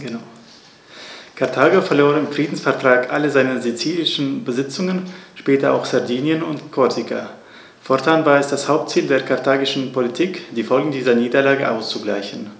Karthago verlor im Friedensvertrag alle seine sizilischen Besitzungen (später auch Sardinien und Korsika); fortan war es das Hauptziel der karthagischen Politik, die Folgen dieser Niederlage auszugleichen.